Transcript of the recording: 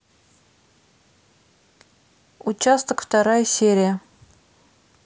участок вторая серия